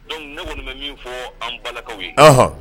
Ne kɔni fɔ an balakaw ye